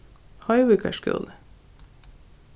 hoyvíkar skúli